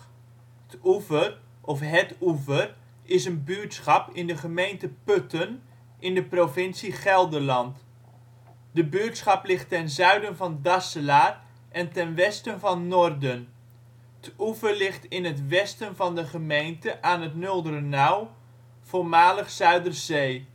Oever of Het Oever is een buurtschap in de gemeente Putten, provincie Gelderland. De buurtschap ligt ten zuiden van Dasselaar en ten westen van Norden. ' t Oever ligt in het westen van de gemeente aan het Nuldernauw, voormalig Zuiderzee